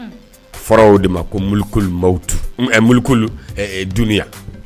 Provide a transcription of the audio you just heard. Fɔra o de ma ko dunya